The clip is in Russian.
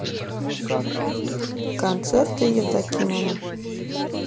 концерты евдокимова